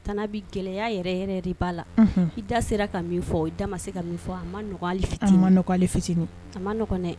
A t bɛ gɛlɛya yɛrɛ yɛrɛ de ba la i da sera ka min fɔ da ma se ka min fɔ a ma nɔgɔ ma fitinin a ma nɔgɔɔgɔnɛ